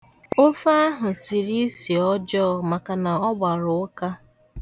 Ofe ahụ siri isi ọjọọ maka na ọgbara ụka.